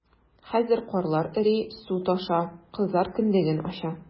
Хәзер карлар эри, су таша - кызлар кендеген ача...